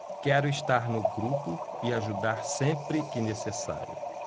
quero estar no grupo e ajudar sempre que necessário